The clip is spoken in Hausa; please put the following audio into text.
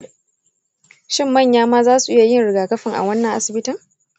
shin manya ma za su iya yin rigakafi a wannan asibitin?